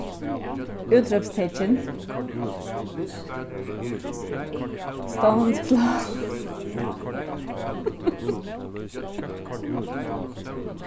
útrópstekin